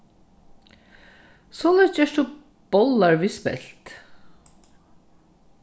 soleiðis gert tú bollar við spelt